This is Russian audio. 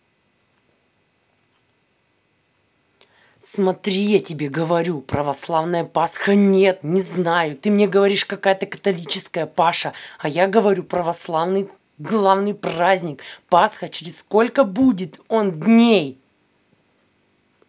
смотри я тебе говорю православная пасха нет не знаю ты мне говоришь какая то католическая паша а я говорю православный главный праздник пасха через сколько будет он дней